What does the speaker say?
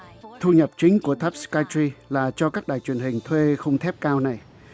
thu nhập chính của tháp xờ cai tri là cho các đài truyền hình thuê khung thép cao này